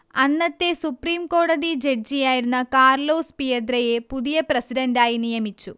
അന്നത്തെ സുപ്രീം കോടതി ജഡ്ജിയായിരുന്ന കാർലോസ് പിയദ്രയെ പുതിയ പ്രസിഡന്റായി നിയമിച്ചു